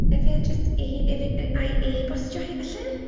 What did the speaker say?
Ife jyst e- ife y-... ai ebostio hi falle?